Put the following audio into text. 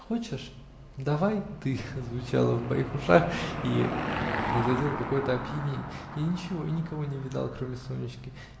"Хочешь?", "давай ты" звучало в моих ушах и производило какое-то опьянение: я ничего и никого не видал, кроме Сонечки.